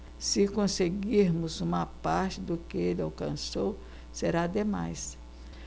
se conseguirmos uma parte do que ele alcançou será demais